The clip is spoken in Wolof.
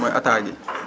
mooy attaques yi